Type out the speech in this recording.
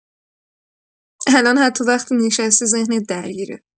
الان حتی وقتی نشستی، ذهنت درگیره.